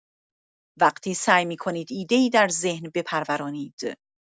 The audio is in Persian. وقتی سعی می‌کنید ایده‌ای در ذهن بپرورانید.